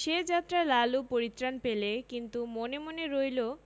সে যাত্রা লালু পরিত্রাণ পেলে কিন্তু মনে মনে রইল